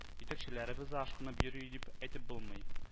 Җитәкчеләребез дә ашкынып йөри дип әйтеп булмый